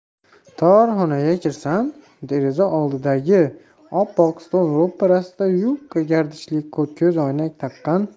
tor xonaga kirsam deraza oldidagi oppoq stol ro'parasida yupqa gardishli ko'zoynak taqqan